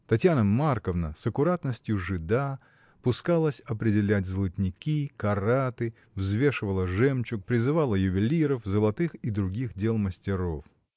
Татьяна Марковна, с аккуратностью жида, пускалась определять золотники, караты, взвешивала жемчуг, призывала ювелиров, золотых и других дел мастеров.